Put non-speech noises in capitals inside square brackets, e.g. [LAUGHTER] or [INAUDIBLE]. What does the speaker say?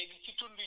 [HESITATION] [HESITATION]